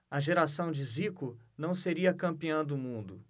a geração de zico não seria campeã do mundo